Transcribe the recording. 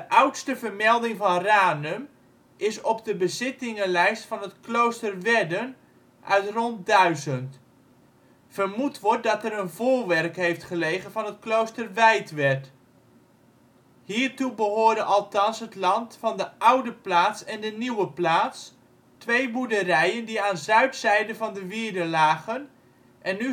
oudste vermelding van Ranum is op de bezittingslijst van het klooster Werden uit rond 1000. Vermoed wordt dat er een voorwerk heeft gelegen van het klooster Wijtwerd. Hiertoe behoorde althans het land van de ' oude plaats ' en de ' nieuwe plaats ', twee boerderijen die aan zuidzijde van de wierde lagen en